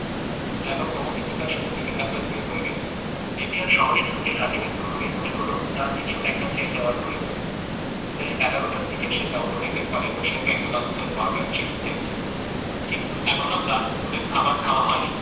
যেন গোমতী-তিতাস নদী এখানটা দিয়ে বয়ে গেছে নেপিয়ার শহরে ঢুকে রাকিবের প্রথমেই মনে হলো তার কিছু একটা খেয়ে নেওয়ার প্রয়োজন সেই এগারোটার দিকে সে তাওপো লেকের পাড়ে বসে ম্যাকডোনাল্ডসের বার্গার চিপস খেয়েছে কিন্তু এখনো তার দুপুরের খাবার খাওয়া হয়নি